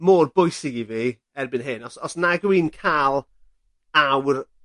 mor bwysig i fi erbyn hyn os os nagw i'n ca'l awr